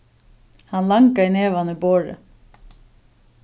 hann langaði nevan í borðið